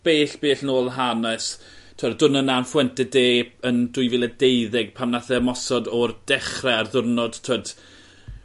bell bell nôl hanes t'od y diwrnod 'na yn Fuenta de yn dwy fila deuddeg pan nath e ymosod o'r dechre ar ddiwrnod t'wod